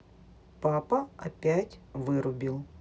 папа опять вырубил